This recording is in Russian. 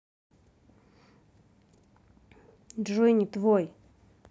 джой не твой